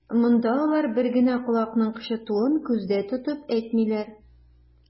Монда алар бер генә колакның кычытуын күздә тотып әйтмиләр.